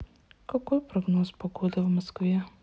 какой прогноз погоды в москве